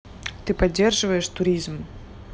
ты поддерживаешь туризм